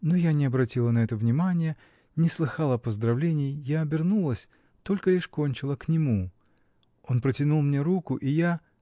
Но я не обратила на это внимания, не слыхала поздравлений, я обернулась, только лишь кончила, к нему. Он протянул мне руку, и я.